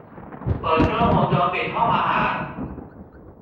เปิดกล้องวงจรปิดห้องอาหาร